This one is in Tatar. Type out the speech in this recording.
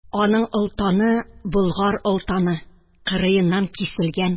Аның олтаны болгар олтаны, кырыеннан киселгән.